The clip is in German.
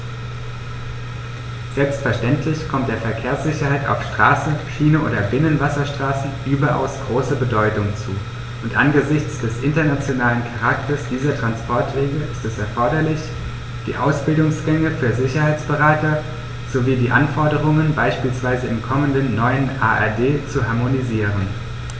Selbstverständlich kommt der Verkehrssicherheit auf Straße, Schiene oder Binnenwasserstraßen überaus große Bedeutung zu, und angesichts des internationalen Charakters dieser Transporte ist es erforderlich, die Ausbildungsgänge für Sicherheitsberater sowie die Anforderungen beispielsweise im kommenden neuen ADR zu harmonisieren.